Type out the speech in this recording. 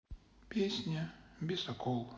песня бесокол